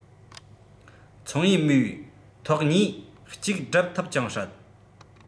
ཚོང ཡིས མོའི ཐོག གཉིས གཅིག བསྒྲུབ ཐུབ ཀྱང སྲིད